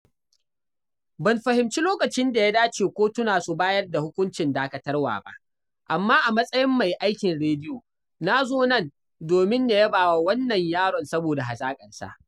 “Ban fahimci lokacin da ya dace kotuna su bayar da hukuncin dakatarwa ba, amma a matsayin mai aikin rediyo, nazo nan domin na yabawa wannan yaron saboda hazaƙarsa.”